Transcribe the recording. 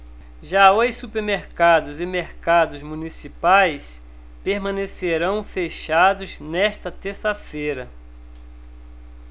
já os supermercados e mercados municipais permanecerão fechados nesta terça-feira